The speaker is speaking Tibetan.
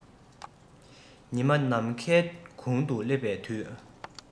ཉི མ ནམ མཁའི དགུང དུ སླེབས པའི དུས